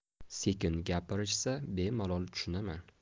sekin gapirishsa bemalol tushunaman